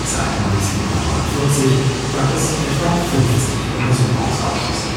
Seit 1949 gab es etwa 50 Untersuchungsausschüsse